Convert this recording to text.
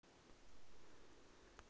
потому тебя исчезла корень зла